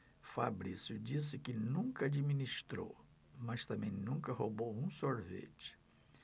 fabrício disse que nunca administrou mas também nunca roubou um sorvete